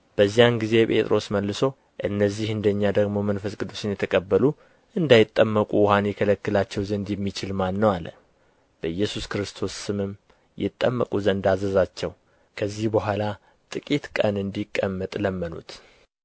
በዚያን ጊዜ ጴጥሮስ መልሶ እነዚህ እንደ እኛ ደግሞ መንፈስ ቅዱስን የተቀበሉ እንዳይጠመቁ ውኃን ይከለክላቸው ዘንድ የሚችል ማን ነው አለ በኢየሱስ ክርስቶስ ስምም ይጠመቁ ዘንድ አዘዛቸው ከዚህ በኋላ ጥቂት ቀን እንዲቀመጥ ለመኑት